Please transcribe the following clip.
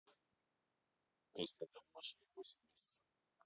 песня для малышей восемь месяцев